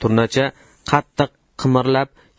turnacha qattiq qimirlab